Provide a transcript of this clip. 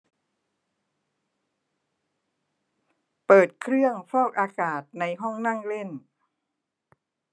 เปิดเครื่องฟอกอากาศในห้องนั่งเล่น